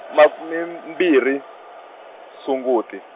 makume m-, mbirhi Sunguti.